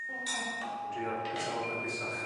Oce. Fi'n drio bita fo'n daclusach.